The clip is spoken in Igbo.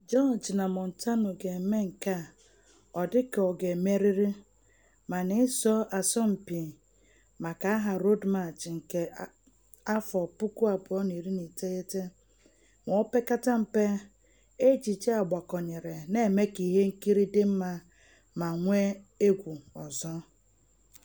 George na Montano ga-eme nke a, ọ dị ka ọ ga-emerịrị, ma na ịzọ asọmpị maka aha Road March nke 2019 ma opekatampe, ejije a gbakọnyere na-eme ka ihe nkiri dị mma ma mee egwu ọzọ.